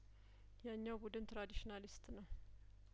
ያኛው ቡድን ትራዲሽና ሊስት ነው